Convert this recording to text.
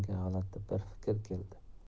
g'alati bir fikr keldi